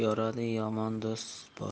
yoradi yomon do'st bosh